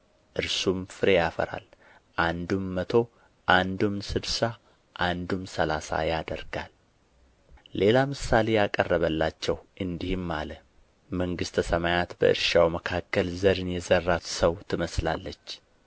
እርሱም ፍሬ ያፈራል አንዱም መቶ አንዱም ስድሳ አንዱም ሠላሳ ያደርጋል ሌላ ምሳሌ አቀረበላቸው እንዲህም አለ መንግሥተ ሰማያት በእርሻው መልካም ዘርን የዘራን ሰው ትመስላለች